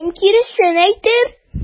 Кем киресен әйтер?